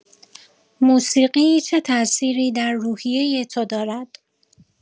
موسیقی چه تاثیری در روحیه تو دارد؟